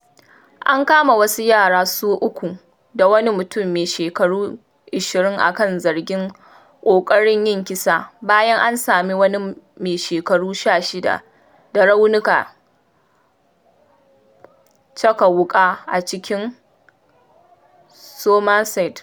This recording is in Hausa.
An kama wasu yara su uku da wani mutum mai shekaru 20 a kan zargin ƙoƙarin yin kisa bayan an sami wani mai shekaru 16 da raunukan caka wuƙa a cikin Somerset.